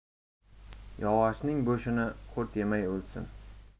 yog'ochning bo'shini qurt yemay o'lsin